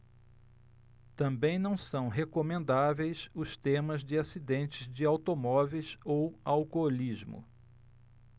também não são recomendáveis os temas de acidentes de automóveis ou alcoolismo